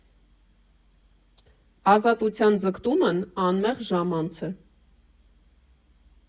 Ազատության ձգտումն անմեղ ժամանց է։